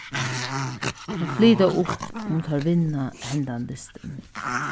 teir flyta upp um teir vinna hendan dystin